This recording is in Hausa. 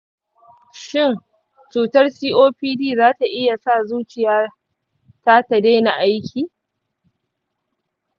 shin cutar copd za ta iya sa zuciyata ta daina aiki?